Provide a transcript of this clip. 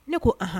Ne ko ahan